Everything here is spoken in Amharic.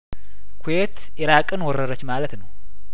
ኩዌት ኢራቅን ወረረች ማለት ነው